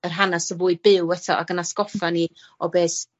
yr hanes yn fwy byw eto ag yn atgoffa ni o be' s-